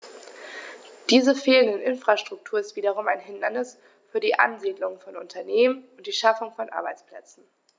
Diese fehlende Infrastruktur ist wiederum ein Hindernis für die Ansiedlung von Unternehmen und die Schaffung von Arbeitsplätzen.